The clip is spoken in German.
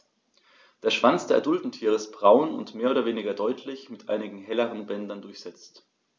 Der Schwanz der adulten Tiere ist braun und mehr oder weniger deutlich mit einigen helleren Bändern durchsetzt.